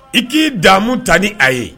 I t'i damu ta ni a ye